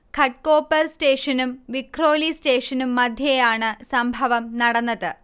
ഘട്കോപർ സ്റ്റേഷനും വിഖ്രോലി സ്റ്റേഷനും മധ്യേയാണ് സംഭവം നടന്നത്